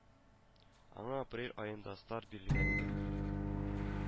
Аңа апрель аенда старт бирелгән иде